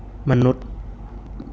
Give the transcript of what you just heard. มนุษย์